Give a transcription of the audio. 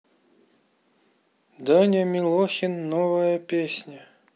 даня милохин новая песня